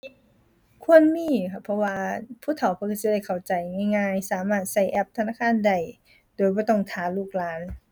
ควรมีค่ะ เพราะว่าผู้เฒ่าเพิ่นก็สิได้เข้าใจง่ายง่าย สามารถก็แอปธนาคารได้ โดยบ่ต้องท่าลูกหลาน